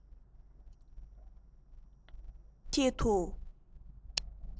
འདི གཉིས ཆེད དུ